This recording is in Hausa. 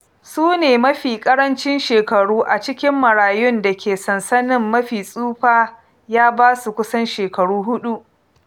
Su ne mafi ƙarancin shekaru a cikin marayun da ke sansanin; mafi tsufa ya ba su kusan shekaru huɗu.